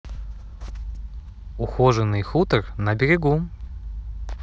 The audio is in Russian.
ухоженный хутор на берегу